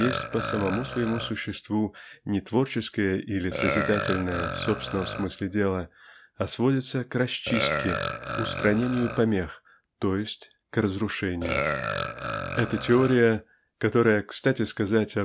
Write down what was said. есть по самому своему существу не творческое или созидательное в собственном смысле дело а сводится к расчистке устранению помех т. е. к разрушению. Эта теория -- которая кстати сказать